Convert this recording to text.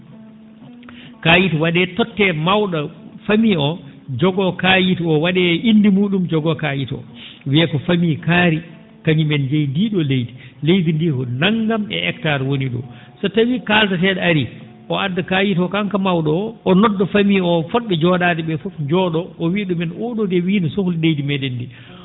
kayit wa?ee tottee maw?o famille o jogo kaayit oo wa?ee e inde mu?um jogo kaayit o wiyee ko famille kaari kañumen njeyi ndii ?oo leydi leydi ndii ko naggam e hectare woni ?oo so tawii kaaldatee?o arii o adda kayit o kanko maw?o o o nodda famille o fo??e joo?aade ?ee fof njoo?oo o wiya ?umen oo ?oo de wiyi no sohli leydi me?en ndii